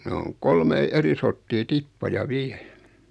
ne on kolmea eri sorttia tippoja vielä